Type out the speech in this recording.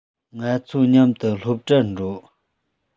ང ཚོ མཉམ དུ སློབ གྲྭར འགྲོ